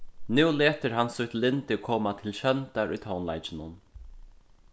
nú letur hann sítt lyndi koma til sjóndar í tónleikinum